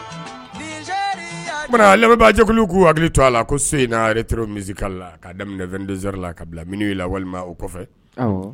O tuma na lamɛnbaa jɛkulu k'u hakili t'a la ko su in Rétro musicale ka daminɛ 22 heures la ka bila minuit walima o k.